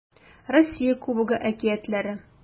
Россия Кубогы әкиятләре